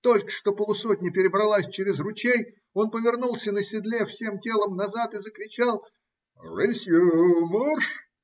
Только что полусотня перебралась через ручей, он повернулся на седле всем телом назад и закричал - Рысью, маарш!